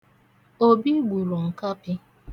Obi gburu nkapị.